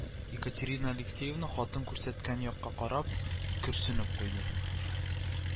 Екатерина Алексеевна, хатын күрсәткән якка карап, көрсенеп куйды